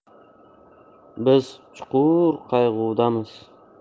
biz chuqur qayg'udamiz